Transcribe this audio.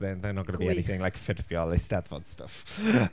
They they're not going to be ...Gwych!... anything like ffurfiol, Eisteddfod stwff.